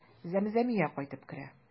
Зәмзәмия кайтып керә.